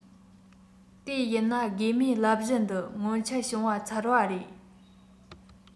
དེ ཡིན ན དགོས མེད ལབ གཞི འདི སྔོན ཆད བྱུང བ ཚར བ རེད